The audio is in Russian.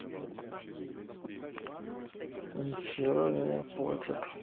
нихера не платят